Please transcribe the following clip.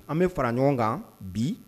An bɛ fara ɲɔgɔn kan bi